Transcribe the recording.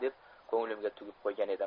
deb ko'nglimga tugib qo'ygan edim